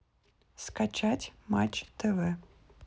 скачать матч тв